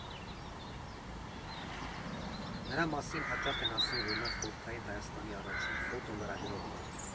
Նրա մասին հաճախ են ասում, որ նա Խորհրդային Հայաստանի առաջին ֆոտոլրագրողն էր։